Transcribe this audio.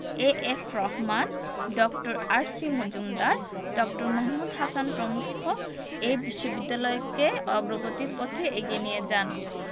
A F Rahman ড. R C Majumdar ড. মাহমুদ হাসান প্রমুখ এ বিশ্ববিদ্যালয়কে অগ্রগতির পথে এগিয়ে নিয়ে যান